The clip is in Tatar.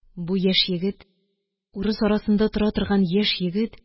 Бу яшь егет, урыс арасында тора торган яшь егет